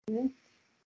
Hmm.